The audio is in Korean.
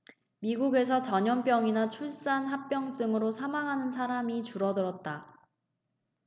미국에서 전염병이나 출산 합병증으로 사망하는 사람이 줄어들었다